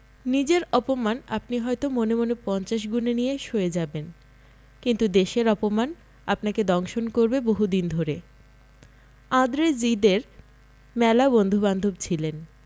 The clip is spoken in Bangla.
নিজের অপমান আপনি হয়ত মনে মনে পঞ্চাশ গুণে নিয়ে সয়ে যাবেন কিন্তু দেশের অপমান আপনাকে দংশন করবে বহুদিন ধরে আঁদ্রে জিদে র মেলা বন্ধুবান্ধব ছিলেন